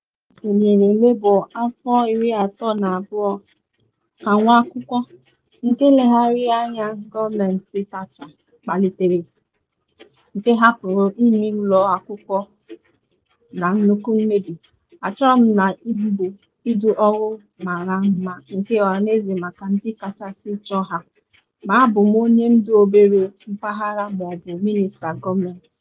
Kemgbe m sonyere Labour afọ 32 ka nwa akwụkwọ, nke nlegharị anya gọọmentị Thatcher kpalitere, nke hapụrụ ime ụlọ akwụkwọ m na nnukwu mmebi, achọrọ m na mbụ idu ọrụ mara mma nke ọhaneze maka ndị kachasị chọọ ha - ma abụ m onye ndu obere mpaghara ma ọ bụ minista gọọmentị.